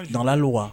Da don wa